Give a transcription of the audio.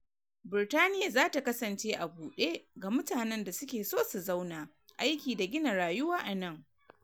Birtaniya za ta kasance a bude ga mutanen da suke so su zauna, aiki da gina rayuwa a nan.